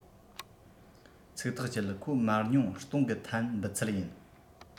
ཚིག ཐག བཅད ཁོ མར ཉུང གཏོང གི ཐཱན འབུད ཚད ཡིན